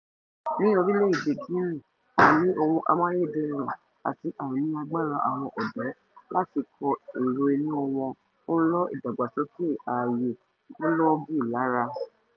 Ní Orílẹ̀-èdè Guinea, àìní ohun amáyédẹrùn àti àìní agbára àwọn ọ̀dọ́ láti kọ èrò inú wọn ń lọ́ ìdàgbàsókè ààyè búlọ́ọ́gì lára.